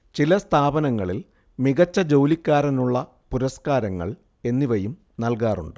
ചില സ്ഥാപനങ്ങളിൽ മികച്ച ജോലിക്കാരനുള്ള പുരസ്കാരങ്ങൾ എന്നിവയും നൽകാറുണ്ട്